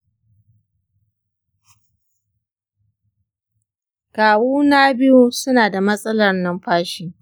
kawuna biyu suna da matsalar numfashi.